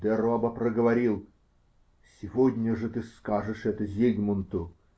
Де Роба проговорил: -- Сегодня же ты скажешь это Зигмунту.